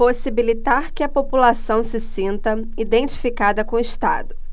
possibilitar que a população se sinta identificada com o estado